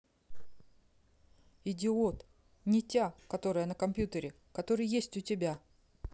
идиот нетя которая на компьютере который есть у тебя